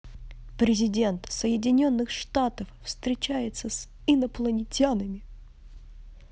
президент соединенных штатов встречается с инопланетами